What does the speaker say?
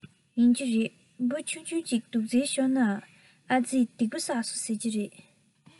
ཡིན གྱི རེད འབུ ཆུང ཆུང ཅིག རྡོག རྫིས ཤོར ནའི ཨ རྩི སྡིག པ བསགས སོང ཟེར གྱི འདུག